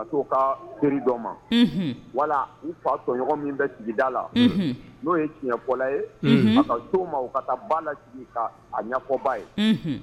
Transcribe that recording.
Ka taa' ka teri dɔ ma wala u fa tɔɲɔgɔn min bɛ sigida la n'o ye tiɲɛfɔla ye ka to ma ka taa ba la sigi ka ɲɛfɔba ye